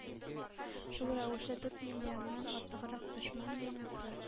Шул рәвешле дүрт миллионнан артыграк дошман минасы